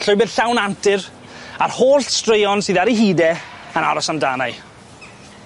Llwybyr llawn antur a'r holl streuon sydd ar ei hyd e yn aros amdana'i.